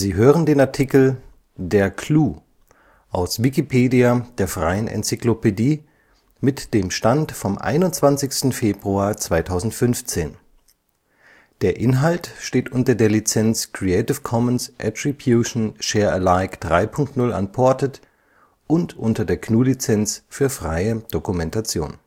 hören den Artikel Der Clou, aus Wikipedia, der freien Enzyklopädie. Mit dem Stand vom Der Inhalt steht unter der Lizenz Creative Commons Attribution Share Alike 3 Punkt 0 Unported und unter der GNU Lizenz für freie Dokumentation